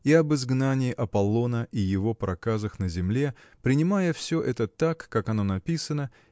и об изгнании Аполлона и его проказах на земле принимая все это так как оно написано